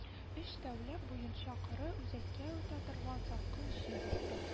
Өч тәүлек буенча коры, үзәккә үтә торган салкын җил исте